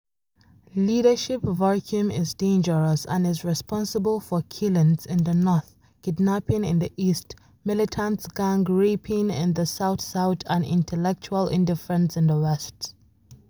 Leadership Vacuum is dangerous and is responsible for killings in the north, kidnapping in the east, Militants gang raping in the South South and intellectual indifference in the west.